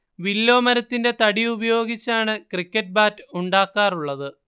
വില്ലോമരത്തിന്റെ തടി ഉപയോഗിച്ചാണ് cricket bat ഉണ്ടാക്കാറുള്ളത്